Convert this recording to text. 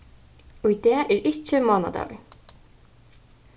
í dag er ikki mánadagur